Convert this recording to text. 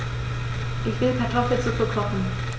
Ich will Kartoffelsuppe kochen.